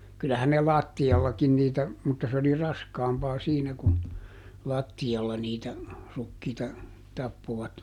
kyllähän ne lattiallakin niitä mutta se oli raskaampaa siinä kun lattialla niitä rukiita tappoivat